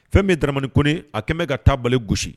Fɛn min ye Dramane Kone a kɛnbɛ ka taabali gosi